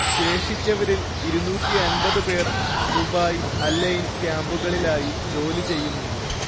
ശേഷിച്ചവരിൽ ഇരുന്നൂറ്റിഅൻപത് പേർ Dubai, Al Ain ക്യാംപുകളിലായി ജോലി ചെയ്യുന്നുണ്ട്